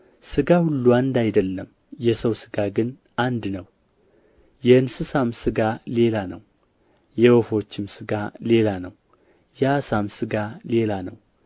ሥጋ ሁሉ አንድ አይደለም የሰው ሥጋ ግን አንድ ነው የእንስሳም ሥጋ ሌላ ነው የወፎችም ሥጋ ሌላ ነው የዓሣም ሥጋ ሌላ ነው